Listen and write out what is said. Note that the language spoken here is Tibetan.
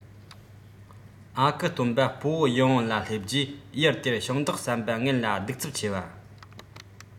ཨ ཁུ སྟོན པ སྤོ བོ ཡིད འོང ལ སླེབས རྗེས ཡུལ དེར ཞིང བདག བསམ པ ངན ལ གདུག རྩུབ ཆེ བ